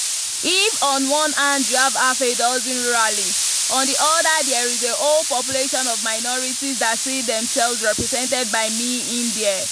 If on one hand you have half a dozen ruralists, on the other there is a whole population of minorities that see themselves represented by me in there.